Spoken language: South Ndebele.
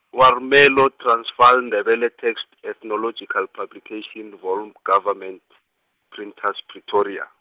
Warmelo Transvaal Ndebele text Ethnological Publication volume Government, Printers Pretoria.